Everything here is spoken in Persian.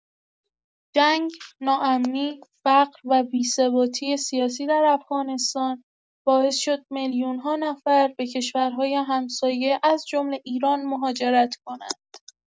جنگ، ناامنی، فقر و بی‌ثباتی سیاسی در افغانستان باعث شد میلیون‌ها نفر به کشورهای همسایه، از جمله ایران، مهاجرت کنند.